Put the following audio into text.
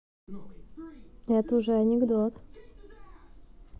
это уже анекдот